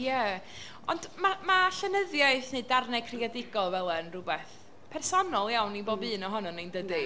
Ie, ond mae allanyddiaeth neu darnau creadigol fel hyn yn rhywbeth personol iawn i bob un ohonyn nhw dydy.